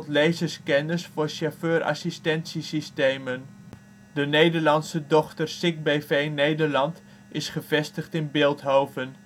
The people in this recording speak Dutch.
laserscanners voor chauffeurassistentiesystemen. De Nederlandse dochter SICK B.V. Nederland is gevestigd in Bilthoven